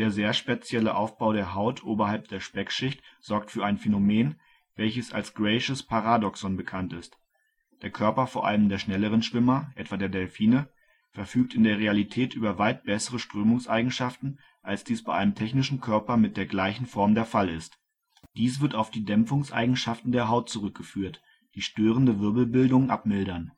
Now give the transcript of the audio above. sehr spezielle Aufbau der Haut oberhalb der Speckschicht sorgt für ein Phänomen, welches als Graysches Paradoxon bekannt ist. Der Körper vor allem der schnelleren Schwimmer, etwa der Delfine, verfügt in der Realität über weit bessere Strömungseigenschaften, als dies bei einem technischen Körper mit der gleichen Form der Fall ist. Dies wird auf die Dämpfungseigenschaften der Haut zurückgeführt, die störende Wirbelbildungen abmildern